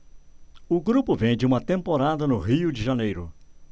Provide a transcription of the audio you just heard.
o grupo vem de uma temporada no rio de janeiro